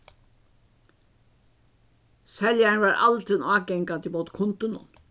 seljarin var aldrin ágangandi ímóti kundunum